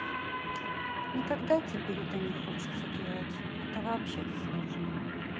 никогда теперь это не хочется делать это вообще сложно